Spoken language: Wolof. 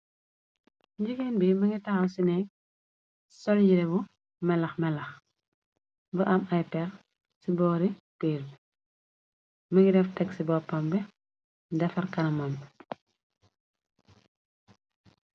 Gigéen bi mëngi taxaw sine sol jire bu melaxmelax bu am ay pex ci boori piir b mëngi ref teg ci boppambe defar kanamambi.